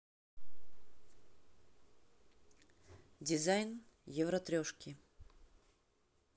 дизайн евро трешки